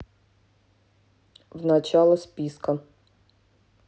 в начало списка